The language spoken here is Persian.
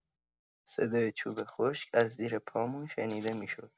صدای چوب خشک از زیر پامون شنیده می‌شد.